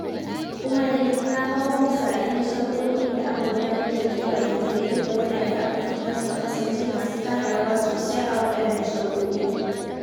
Kuma dai, na kawo misalai na shari'o'in da aka gudanar ya zuwa yanzu da yadda waɗanda aka cutar suka kasance masu taka rawa sosai a waɗannan shari'o'in.